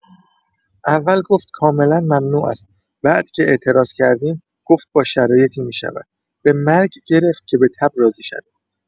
اول گفت کاملا ممنوع است، بعد که اعتراض کردیم، گفت با شرایطی می‌شود؛ به مرگ گرفت که به تب راضی شویم!